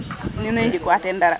nu nee njikwa teen dara ?